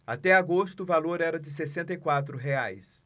até agosto o valor era de sessenta e quatro reais